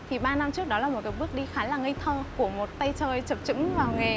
thì ba năm trước đó là một bước đi khá là ngây thơ của một tay chơi chập chững vào nghề